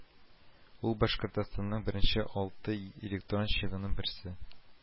Ул Башкортстанның беренче алты электронщигының берсе